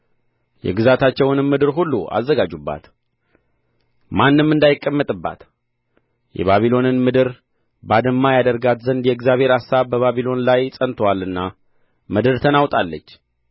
የግዛታቸውንም ምድር ሁሉ አዘጋጁባት ማንም እንዳይቀመጥባት የባቢሎንን ምድር ባድማ ያደርጋት ዘንድ የእግዚአብሔር አሳብ በባቢሎን ላይ ጸንቶአልና ምድር ተናወጣለች